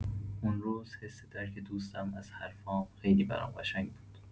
اون روز حس درک دوستم از حرفام خیلی برام قشنگ بود.